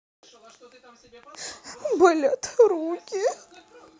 болят руки